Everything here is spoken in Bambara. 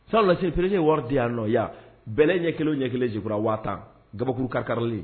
Sa lasifiere ye wari di' nɔya bɛɛ ɲɛ kelen ɲɛ kelen dekurara waa tan dakuru kakarili